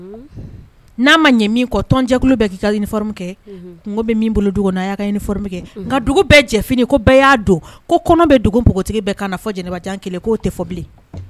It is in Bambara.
N'a ma ɲɛ min kɔ tɔnonjɛkulu bɛ'i ni kɛ bɛ min bolo kɛ dugu bɛɛ jɛf ko' kɔnɔ bɛ npogotigi fɔ jɛnɛjan kelen k'o tɛ fɔ bilen